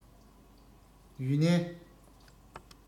ཡུན ནན